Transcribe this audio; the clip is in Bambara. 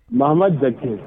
Mama ma ja kɛ